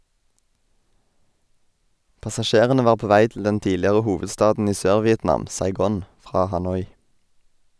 Passasjerene var på vei til den tidligere hovedstaten i Sør-Vietnam, Saigon, fra Hanoi.